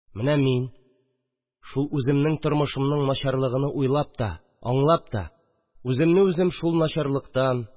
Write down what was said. Менә мин – шул үземнең тормышымның начарлыгыны уйлап та, аңлап та, үземне үзем шул начарлыктан